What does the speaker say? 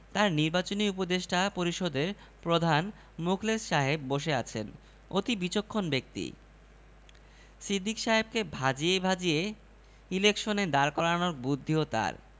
সেটা আবার কি আমরা দল বেঁধে বিবিসির খবর শুনি তারপর সেই খবর বিশ্লেষণ করি ভাল ভাল অতি উত্তম বিবিসি শুনবেনা তো কি শুনবে